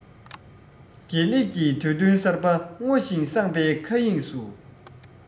དགེ ལེགས ཀྱི དུས སྟོན གསར པ སྔོ ཞིང བསངས པའི མཁའ དབྱིངས སུ